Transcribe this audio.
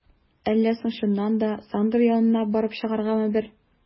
Әллә соң чыннан да, Сандра янына барып чыгаргамы бер?